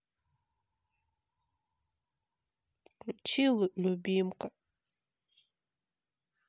включи любимка